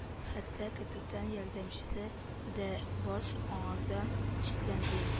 Хәтта капитан ярдәмчесе дә баш аңардан шикләнде